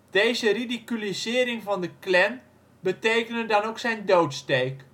Deze ridiculisering van de Klan betekende dan ook zijn doodsteek